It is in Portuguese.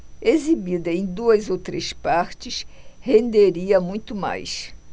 exibida em duas ou três partes renderia muito mais